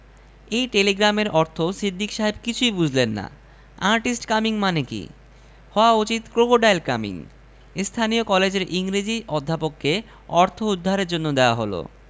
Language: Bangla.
দুটায় ত্রিশ প্লাস ক্যারিং কস্ট ট্রাকে করে তো আর আনা যাবে না পানির ট্যাংকে করে আনতে হবে আমাদের ইলেকশনে পাশ ফেল নির্ভর করছে কুমীরের উপর জ্যান্ত কুমীর চলে এলে কর্মীদের মধ্যেও